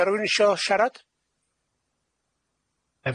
Sa rywun isho sharad?